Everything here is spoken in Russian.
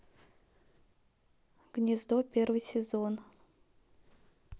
гнездо первый сезон